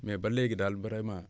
mais ba léegi daal vraiment